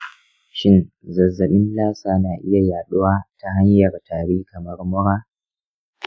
shin zazzabin lassa na iya yaɗuwa ta hanyar tari kamar mura?